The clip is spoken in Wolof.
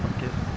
ok